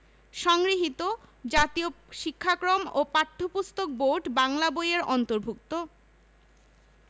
সংগৃহীত জাতীয় শিক্ষাক্রম ও পাঠ্যপুস্তক বোর্ড বাংলা বই এর অন্তর্ভুক্ত